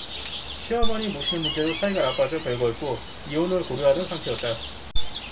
시어머니 모시는 문제로 사이가 나빠져 별거했고 이혼을 고려하던 상태였다